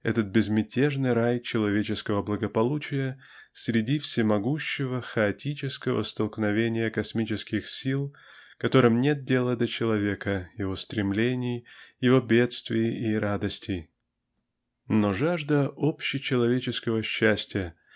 этот безмятежный рай человеческого благополучия среди всемогущего хаотического столкновения космических сил которым нет дела до человека его стремлений его бедствий и радостей? Но жажда общечеловеческого счастья